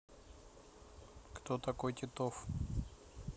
кто такой титов